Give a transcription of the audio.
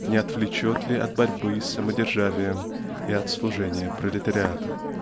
не отвлечет ли от борьбы с самодержавием и от служения пролетариату.